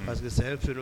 Parceri que saya feere